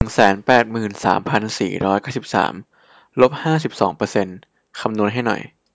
หนึ่งแสนแปดหมื่นสามพันสี่ร้อยเก้าสิบสามลบห้าสิบสองเปอร์เซนต์คำนวณให้หน่อย